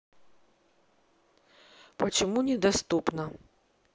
почему недоступно